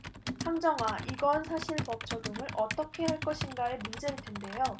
황정화 이건 사실 법 적용을 어떻게 할 것인가의 문제일 텐데요